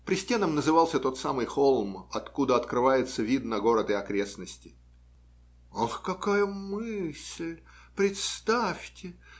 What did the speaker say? Пристеном назывался тот самый холм, откуда открывается вид на город и окрестности. - Ах, какая мысль! Представьте!